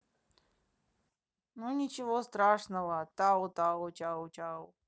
ну ничего страшного таотао чао чао